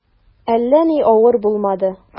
Әллә ни авыр булмады.